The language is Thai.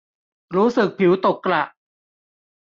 รู้สึกผิวตกกระ